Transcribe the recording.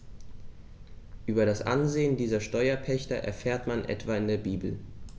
Über das Ansehen dieser Steuerpächter erfährt man etwa in der Bibel.